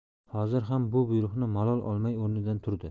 hozir ham bu buyruqni malol olmay o'rnidan turdi